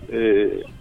Eee